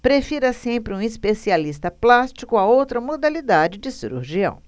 prefira sempre um especialista plástico a outra modalidade de cirurgião